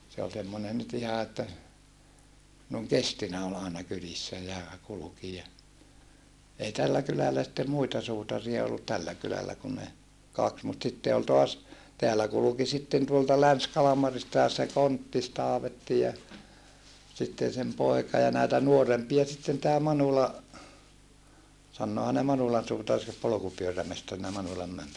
se oli semmoinen nyt ihan että noin kestinä oli aina kylissä ja kulki ja ei tällä kylällä sitten muita suutareita ollut tällä kylällä kun ne kaksi mutta sitten oli taas täällä kulki sitten tuolta Länsi-Kalmaristakin se Konttis-Taavetti ja sitten sen poika ja näitä nuorempia sitten tämä Manula sanoohan ne Manulan suutari se polkupyörämestarina Manulan